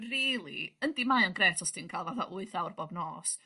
rili yndi mae o'n grêt os ti'n ca'l fatha wyth awr bob nos